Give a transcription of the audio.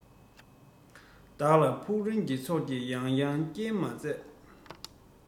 བདག ལ ཕུག རོན གྱི ཚོགས ཀྱིས ཡང ཡང སྐྱེལ མ མཛད